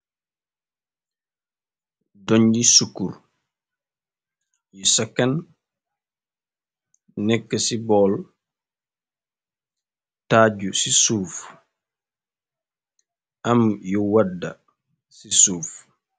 Donji sukur yu sakan nekk ci bool taaju ci suuf am yu wadda ci suuf.